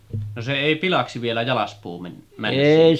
no se ei pilaksi vielä jalaspuu mennyt siinä